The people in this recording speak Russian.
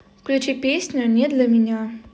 включи песню не для меня